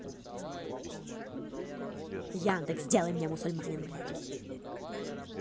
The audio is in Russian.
яндекс сделай мне мусульманин блядь